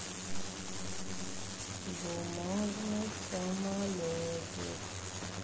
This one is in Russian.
бумажный самолетик